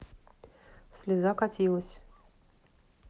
слеза катилась